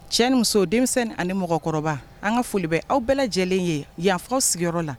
Cɛ ni muso denmisɛnnin ani mɔgɔkɔrɔba an ka foli bɛ aw bɛɛ lajɛlenlen ye yafafaw sigiyɔrɔ la